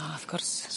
Ah wrth gwrs.